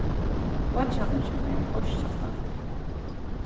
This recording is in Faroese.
beiggjarnir hjá mær beistast altíð